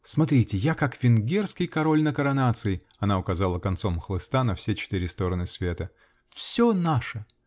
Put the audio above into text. Смотрите -- я как венгерский король на коронации (она указала концом хлыста на все четыре стороны света). Все наше!